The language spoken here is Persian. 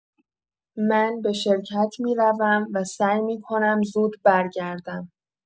من به شرکت می‌روم و سعی می‌کنم زود برگردم.